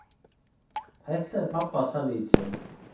hetta er babbasa lykil